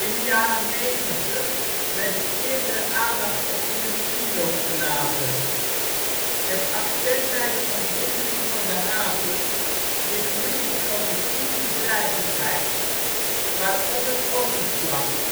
de jaren negentig werd de eerdere aandacht op industrie losgelaten. Het accent bij de ontwikkeling van de haven ligt nu op logistieke bedrijvigheid, waaronder overslag